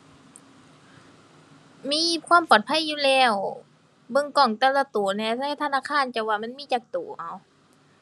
มีความปลอดภัยอยู่แล้ว เบิ่งกล้องแต่ละตัวแหน่ในธนาคาร เจ้าว่ามันมีจักตัว เอ้า